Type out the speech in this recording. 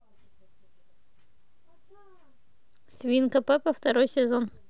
свинка пеппа второй сезон